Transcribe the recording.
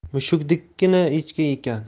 mushukdekkina echki ekan